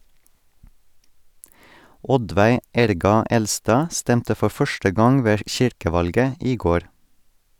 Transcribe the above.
Oddveig Erga Elstad stemte for første gang ved kirkevalget i går.